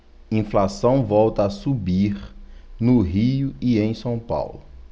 inflação volta a subir no rio e em são paulo